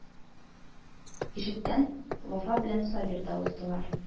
Ишектән Вафа белән Сабир да уздылар